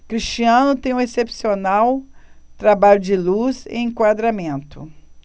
cristiano tem um excepcional trabalho de luz e enquadramento